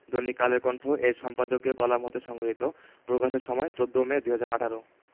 দৈনিক কালের কণ্ঠ এর সম্পাদকীয় কলাম হতে সংগৃহীত প্রকাশের সময় ১৪ মে ২০১৮